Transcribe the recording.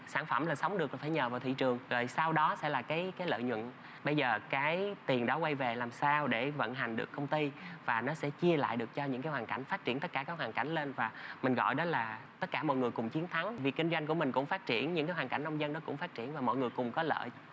sản phẩm là sống được là phải nhờ vào thị trường rồi sau đó sẽ là cái cái lợi nhuận bây giờ cái tiền đã quay về làm sao để vận hành được công ty và nó sẽ chia lại được cho những cái hoàn cảnh phát triển tất cả các hoàn cảnh lên và mình gọi đó là tất cả mọi người cùng chiến thắng vì kinh doanh của mình cũng phát triển những cái hoàn cảnh nông dân nó cũng phát triển và mọi người cùng có lợi